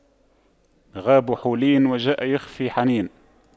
غاب حولين وجاء بِخُفَّيْ حنين